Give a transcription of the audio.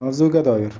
mavzuga doir